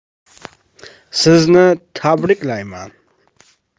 sizni tabriklayman